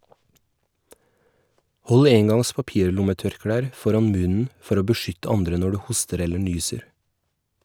Hold engangs papirlommetørklær foran munnen for å beskytte andre når du hoster eller nyser.